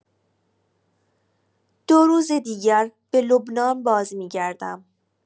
دو روز دیگر به لبنان بازمی‌گردم.